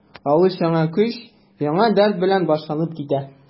Алыш яңа көч, яңа дәрт белән башланып китә.